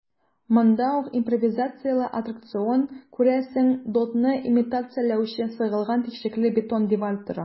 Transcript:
Монда ук импровизацияле аттракцион - күрәсең, дотны имитацияләүче сыгылган тишекле бетон дивар тора.